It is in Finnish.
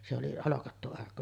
se oli holkattu arkku